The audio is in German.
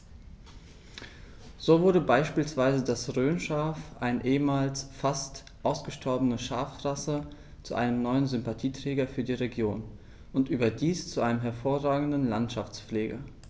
So wurde beispielsweise das Rhönschaf, eine ehemals fast ausgestorbene Schafrasse, zu einem neuen Sympathieträger für die Region – und überdies zu einem hervorragenden Landschaftspfleger.